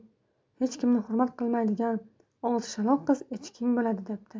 hech kimni hurmat qilmaydigan og'zi shaloq qiz echking bo'ladi debdi